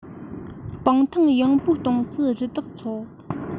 སྤང ཐང ཡངས པོའི ལྟོངས སུ རི དྭགས འཚོགས